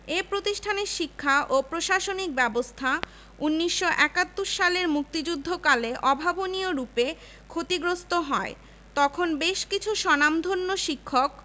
১৯৪৭ সালে ভারত বিভাগের পূর্বপর্যন্ত এ বিশ্ববিদ্যালয় এশিয়ার মধ্যে উচ্চশিক্ষার বিশিষ্ট আবাসিক প্রতিষ্ঠান হিসেবে গণ্য ছিল